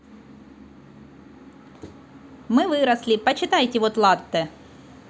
мы выросли почитайтевот латте